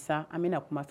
Sisan an bɛna kuma fɛ